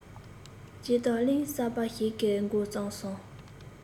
ཅེས གཏམ གླེང གསར པ ཞིག གི མགོ བརྩམས སོང